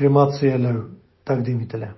кремацияләү) тәкъдим ителә.